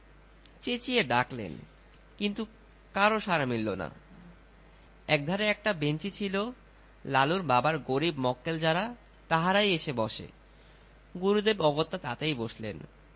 চেঁচিয়ে ডাকলেন কিন্তু কারও সাড়া মিলল না একধারে একটা বেঞ্চি ছিল লালুর বাবার গরীব মক্কেল যারা তাহারই এসে বসে গুরুদেব অগত্যা তাতেই বসলেন